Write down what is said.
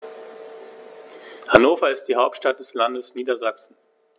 Hannover ist die Hauptstadt des Landes Niedersachsen.